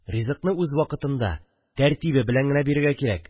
Ризыкны үз вакытында, тәртибе белән генә бирергә кирәк